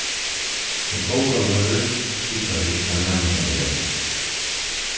sum bókavørðir síggja vit hvat næmingarnir velja